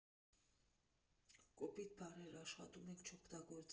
Կոպիտ բառեր աշխատում ենք չօգտագործել։